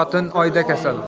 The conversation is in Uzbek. oltin xotin oyda kasal